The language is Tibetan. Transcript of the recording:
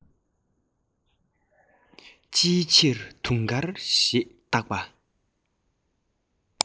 ཅིའི ཕྱིར དུང དཀར ཞེས བཏགས པ